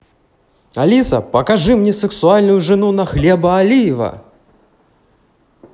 алиса покажи мне сексуальную жену на хлеба алиева